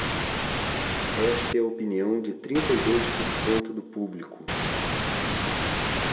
esta é a opinião de trinta e dois por cento do público